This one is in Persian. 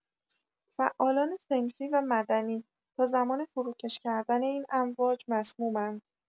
فعالان صنفی و مدنی، تا زمان فروکش کردن این امواج مسمومند